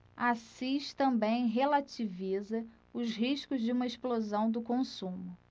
assis também relativiza os riscos de uma explosão do consumo